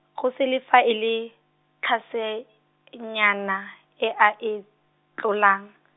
go se le fa e le, tlhase -enyana, e a e, tlolang.